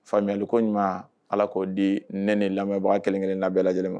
Faamuyali ko ɲuman ala k'o di ne ni lamɛnbɔ a kelen kelen labɛnla lajɛlen ma